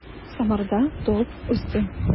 Самарда туып үстем.